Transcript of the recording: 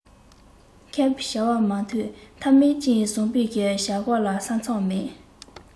མཁས པའི བྱ བ ལ མུ མཐའ མེད ཅིང བཟང པོའི བྱ བཞག ལ ས མཚམས མེད